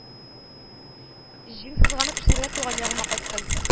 Җиң сызганып эшләргә туган ягыма кайттым